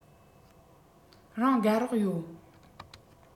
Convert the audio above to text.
རང དགའ རོགས ཡོད